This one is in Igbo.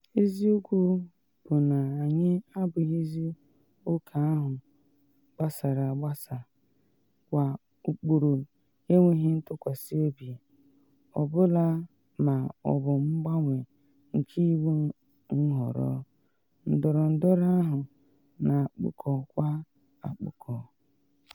Eziokwu bụ na anyị abụghịzị ụka ahụ gbasara agbasa, kwa ụkpụrụ “enweghị ntụkwasị obi” ọ bụla ma ọ bụ mgbanwe nke iwu nhọrọ, ndọrọndọrọ ahụ na akpụkọkwa akpụkọ.